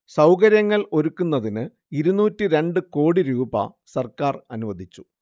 സൗകര്യങ്ങൾ ഒരുക്കുന്നതിന് ഇരുന്നൂറ്റിരണ്ട് കോടി രൂപ സർക്കാർ അനുവദിച്ചു